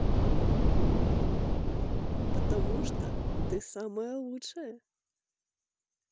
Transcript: потому что ты самая лучшая